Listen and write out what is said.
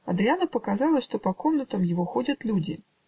Адрияну показалось, что по комнатам его ходят люди.